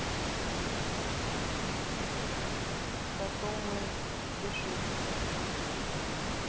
зато мы спешит